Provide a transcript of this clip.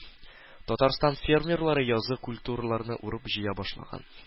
Татарстан фермерлары язгы культураларны урып-җыя башлаган.